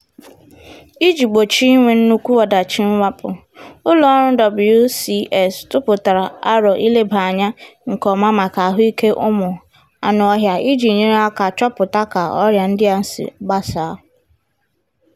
Iji gbochie inwe nnukwu ọdachi mwakpụ, ụlọ ọrụ WCS tụpụtara aro ilebanye anya nke ọma maka ahụike ụmụ anụọhịa iji nyere aka chọpụta ka ọrịa ndị a si agbasa.